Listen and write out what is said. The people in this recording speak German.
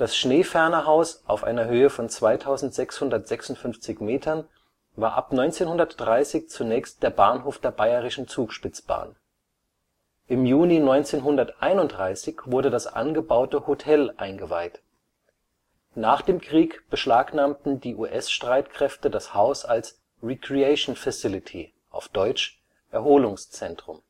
Schneefernerhaus (2656 m) war ab 1930 zunächst der Bahnhof der Bayerischen Zugspitzbahn. Im Juni 1931 wurde das angebaute Hotel eingeweiht. Nach dem Krieg beschlagnahmten die US-Streitkräfte das Haus als Recreation Facility (Erholungszentrum